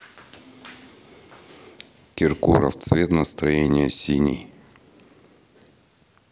киркоров цвет настроения синий